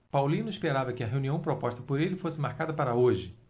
paulino esperava que a reunião proposta por ele fosse marcada para hoje